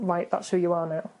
Right that's who you are now.